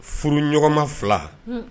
Furu ɲɔgɔnma fila